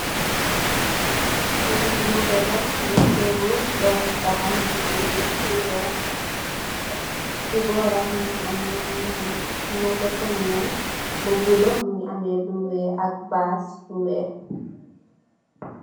Fi moto la, moto bu doomi tahal mugii ameh wèèr, si bóram mugii ameh moto kamyong bu bula, mugii lu wèèx ak bas bu wèèx.